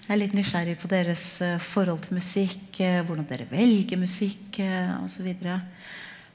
jeg er litt nysgjerrig på deres forhold til musikk hvordan dere velger musikk også videre.